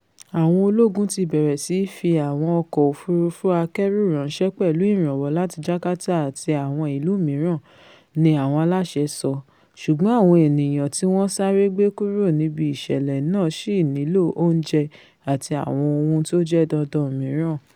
Àwọn ológun ti bẹ̀rẹ̀ sí fi àwọn ọkọ̀ òfurufú akẹ́rù ránṣẹ́ pẹ̀lú ìrànwọ́ làti Jarkata àti àwọn ìlú mìíràn, ni àwọn aláṣẹ sọ, ṣùgbọ́n àwọn ènìyàn tíwọn sáré gbé kúro níbí ìṣẹ̀lẹ̀ náà sì nílò oúnjẹ àti àwọn ohun tójẹ́ dandan mìíràn.